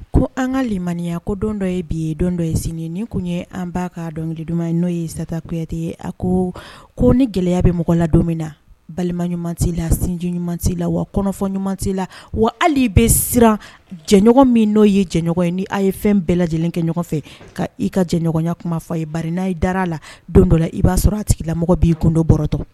Ko an ka maniya ko don dɔ ye bi don dɔ sini nin tun ye an b'a ka dɔnkili duman ma n'o ye sata kuyate ye a ko ko ni gɛlɛya bɛ mɔgɔ la don min na balima ɲuman la sinji ɲumanla wafɔ ɲuman la wa hali bɛ siran jɛɲɔgɔn min n'o ye jɛɲɔgɔn ye ni' ye fɛn bɛɛ lajɛlen kɛ ɲɔgɔn fɛ ka i ka jɛɲɔgɔnya kuma fɔ a ye barin n'a ye dara a la don dɔ la i b'a sɔrɔ a tigilamɔgɔ b'i kundoɔrɔtɔ